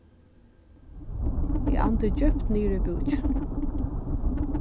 eg andi djúpt niður í búkin